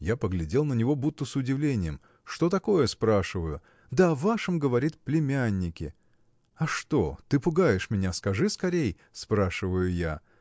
Я поглядел на него будто с удивлением. Что такое? – спрашиваю. Да о вашем, говорит, племяннике! – А что? ты пугаешь меня, скажи скорей! – спрашиваю я.